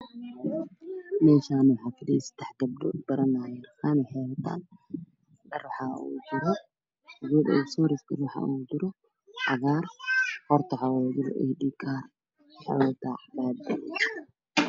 Meeshaan waxaa fadhiyo seddax gabdhood wax baranaayo dhar waxaan ugu juro cagaar qoorta waxaa ugu juro eedhikaar